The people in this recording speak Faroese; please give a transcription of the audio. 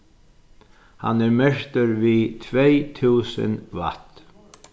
hann er merktur við tvey túsund watt